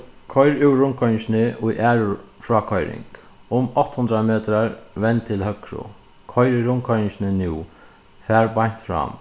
koyr úr rundkoyringini í frákoyring um átta hundrað metrar vend til høgru koyr úr rundkoyringini nú far beint fram